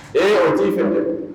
Ee o ti fɛ dɛ.